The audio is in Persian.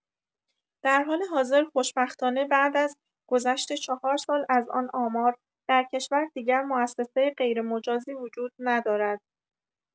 در حال حاضر خوشبختانه بعد از گذشت چهار سال از آن آمار، در کشور دیگر موسسه غیرمجازی وجود ندارد